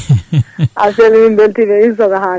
* min beltima *